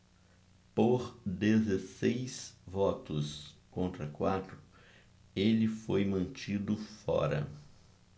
por dezesseis votos contra quatro ele foi mantido fora